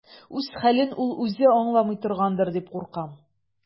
Үз хәлен ул үзе дә аңламый торгандыр дип куркам.